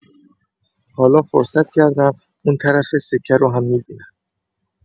حالا فرصت کردم اون طرف سکه رو هم می‌بینم.